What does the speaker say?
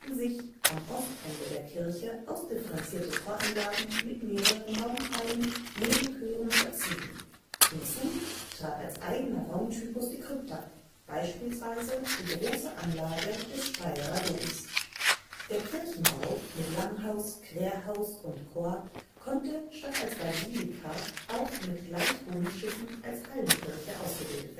sich am Ostende der Kirchen ausdifferenzierte Choranlagen mit mehreren Raumteilen, Nebenchören und Apsiden. Hinzu trat als eigener Raumtypus die Krypta, beispielsweise die große Anlage des Speyerer Doms. Der Kirchenbau mit Langhaus, Querhaus und Chor konnte statt als Basilika (mit in der Höhe gestaffelten Kirchenschiffen) auch mit gleich hohen Schiffen als Hallenkirche ausgebildet